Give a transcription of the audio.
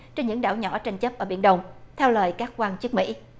trên những đảo nhỏ tranh chấp ở biển đông theo lời các quan chức mĩ